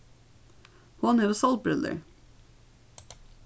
hon hevur sólbrillur